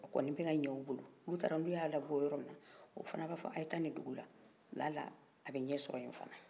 a kɔni bɛ ka yan u bolo nun taara nu n yalabɔ yɔrɔ min olu fanan b'a fɔ a ye trɔa nin dugula lalala abɛ yɛ sɔrɔ ye fana